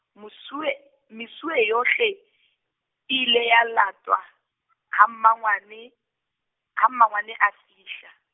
mosuwe, mesuwe yohle, ilwe ya latwa , ha mmangwane, ha mmangwane a fihla.